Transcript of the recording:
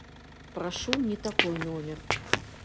прошу не такой номер